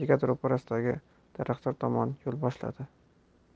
bekat ro'parasidagi daraxtzor tomon yo'l boshladi